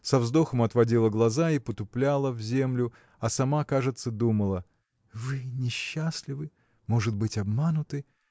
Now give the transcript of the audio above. со вздохом отводила глаза и потупляла в землю а сама кажется думала Вы несчастливы! может быть, обмануты.